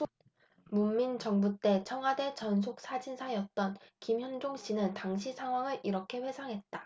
문민정부 때 청와대 전속사진사였던 김현종씨는 당시 상황을 이렇게 회상했다